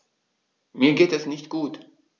Mir geht es nicht gut.